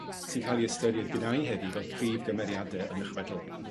sy'n ca'l 'u ystyried gynna' i heddiw fel prif gymeriade yn y chwedl.